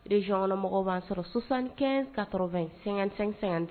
zsonɔnmɔgɔw b'an sɔrɔsan ka--